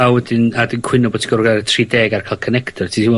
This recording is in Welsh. ...a wedyn a 'dyn cwyno bo' ti gwario tri deg ar ca'l connector ti ddim yn